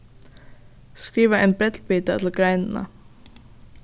skriva ein brellbita til greinina